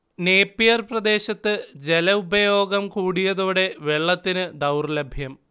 Napier പ്രദേശത്ത് ജലഉപയോഗം കൂടിയതോടെ വെള്ളത്തിന് ദൗർലഭ്യം